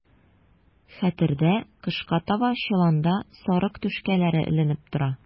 Хәтердә, кышка таба чоланда сарык түшкәләре эленеп тора.